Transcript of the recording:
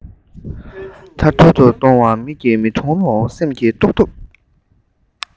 ཐར ཐོར དུ གཏོར བ མིག གིས མི མཐོང རུང སེམས ཀྱིས རྟོགས ཐུབ